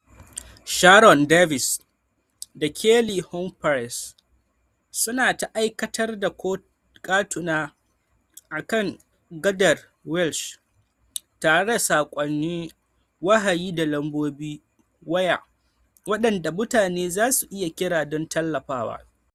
Sharon Davis da Kelly Humphreys su na ta aikatar da katuna a kan gadar Welsh tare da sakonnin wahayi da lambobin waya waɗanda mutane zasu iya kira don tallafawa.